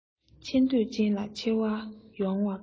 ཆེ འདོད ཅན ལ ཆེ བ ཡོང བ དཀའ